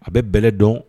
A bɛ bɛlɛ dɔn